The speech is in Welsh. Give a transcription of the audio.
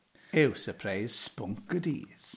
Yw sypreis sbwnc y dydd?